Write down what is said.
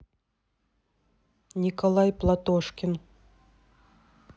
николай платошкин